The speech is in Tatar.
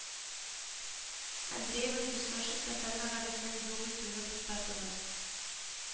Андреева песошин татар мәгарифен юк итүне туктатыгыз